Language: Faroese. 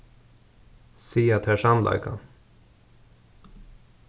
siga tær sannleikan